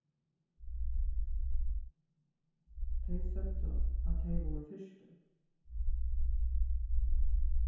tey søgdu at tey vóru firtin